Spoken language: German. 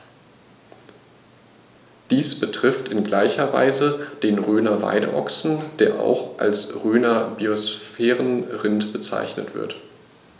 Dies betrifft in gleicher Weise den Rhöner Weideochsen, der auch als Rhöner Biosphärenrind bezeichnet wird.